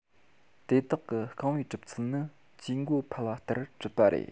དེ དག གི རྐང བའི གྲུབ ཚུལ ནི ཇུས འགོད ཕལ བ ལྟར གྲུབ པ རེད